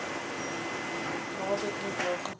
а вот это неплохо